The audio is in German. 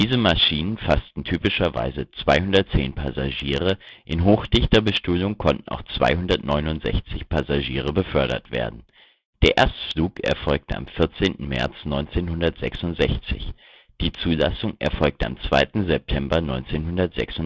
Maschinen fassten typischerweise 210 Passagiere, in hochdichter Bestuhlung konnten auch 269 Passagiere befördert werden. Der Erstflug erfolgte am 14. März 1966, die Zulassung erfolgte am 2. September 1966